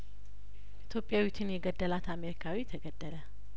ኢትዮጵያዊቱን የገደላት አሜሪካዊ ተገደለ